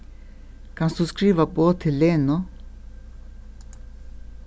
kanst tú skriva boð til lenu